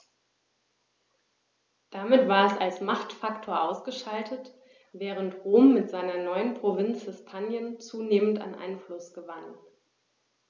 Damit war es als Machtfaktor ausgeschaltet, während Rom mit seiner neuen Provinz Hispanien zunehmend an Einfluss gewann.